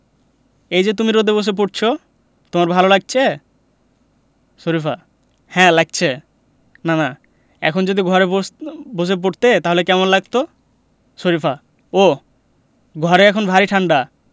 এই যে তুমি রোদে বসে পড়ছ তোমার ভালো লাগছে শরিফা হ্যাঁ লাগছে নানা এখন যদি ঘরে বসে পড়তে তাহলে কেমন লাগত শরিফা ওহ ঘরে এখন ভারি ঠাণ্ডা